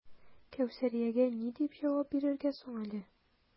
Кәүсәриягә ни дип җавап бирергә соң әле?